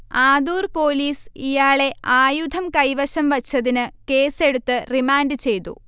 Adoor police ഇയാളെ ആയുധം കൈവശംവച്ചതിന് കേസെടുത്ത് റിമാൻഡുചെയ്തു